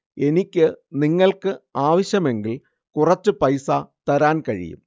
എനിക്ക് നിങ്ങള്‍ക്ക് ആവശ്യമെങ്കില്‍ കുറച്ചു പൈസ തരാന്‍ കഴിയും